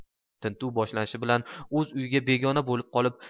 tintuv boshlanishi bilan o'z uyiga begona bo'lib qolib